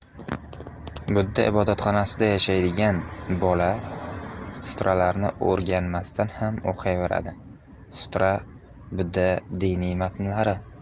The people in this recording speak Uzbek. budda ibodatxonasida yashaydigan bola sutralarni o'rganmasdan ham o'qiyveradi sutra budda diniy matnlari